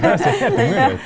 det høres jo helt umulig ut.